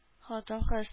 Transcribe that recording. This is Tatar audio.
Хатын-кыз